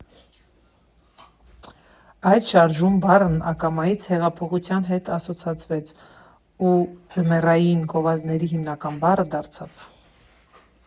Այդ «շարժում» բառն ակամայից հեղափոխության հետ ասոցացվեց, ու ձմեռային գովազդների հիմնական բառը դարձավ։